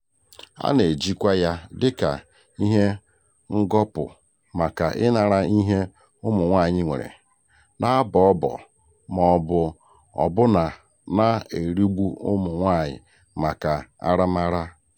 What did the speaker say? A na-ejikwa ya dịka ihe ngọpụ maka ịnara ihe ụmụ nwaanyị nwere, na-abọ ọbọ ma ọ bụ ọbụna na-erigbu ụmụ nwaanyị maka aramara.